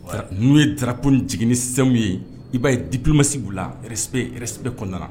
N'u ye darap jigin ni sɛ ye i b'a ye dip masigi u la bɛ kɔnɔnada